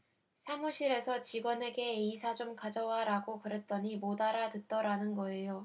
사무실에서 직원에게 에이사 좀 가져와라고 그랬더니 못 알아듣더라는 거예요